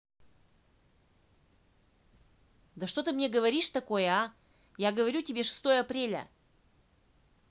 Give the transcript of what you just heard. да что ты мне говоришь такое а я говорю тебе шестое апреля